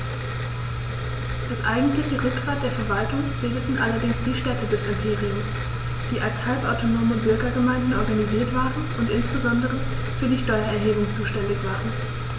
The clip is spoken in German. Das eigentliche Rückgrat der Verwaltung bildeten allerdings die Städte des Imperiums, die als halbautonome Bürgergemeinden organisiert waren und insbesondere für die Steuererhebung zuständig waren.